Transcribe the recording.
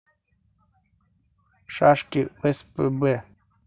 шашки в спб